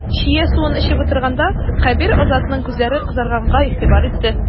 Чия суын эчеп утырганда, Кәбир Азатның күзләре кызарганга игътибар итте.